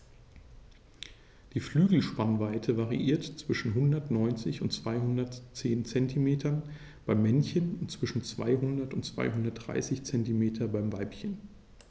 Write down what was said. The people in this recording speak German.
Die Flügelspannweite variiert zwischen 190 und 210 cm beim Männchen und zwischen 200 und 230 cm beim Weibchen.